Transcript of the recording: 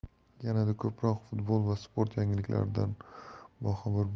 yanada ko'proq futbol va sport yangiliklaridan boxabar